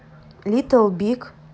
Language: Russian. little big